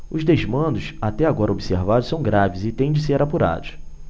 os desmandos até agora observados são graves e têm de ser apurados